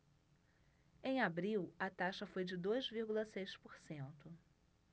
em abril a taxa foi de dois vírgula seis por cento